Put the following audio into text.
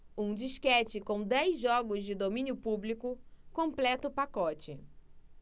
um disquete com dez jogos de domínio público completa o pacote